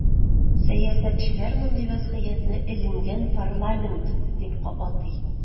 Сәясәтчеләр мондый вазгыятне “эленгән парламент” дип атый.